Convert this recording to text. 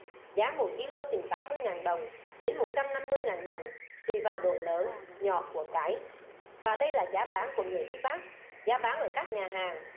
giá mỗi ki lô chừng tám mươi ngàn đồng đến một trăm năm mươi ngàn đồng tùy vào độ lớn nhỏ của cáy và đây là giá bán của người đi bắt giá bán ở các nhà hàng